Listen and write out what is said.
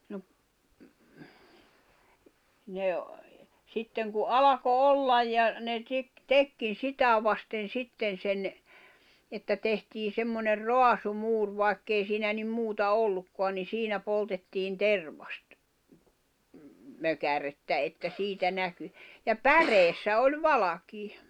no - ne sitten kun alkoi olla ja ne - teki sitä vasten sitten sen että tehtiin semmoinen raasumuuri vaikka ei siinä niin muuta ollutkaan niin siinä poltettiin - tervasmökärettä että siitä näkyi ja päreessä oli valkea